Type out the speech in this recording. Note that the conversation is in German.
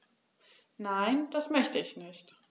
Nein, das möchte ich nicht.